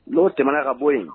N'o tɛm ka bɔ yen